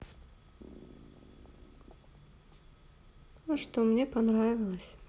а что мне понравилось